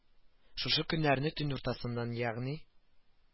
Шушы көннәрне төн уртасыннан ягъни